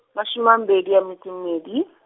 mashome a m- -bedi a metso e mmedi .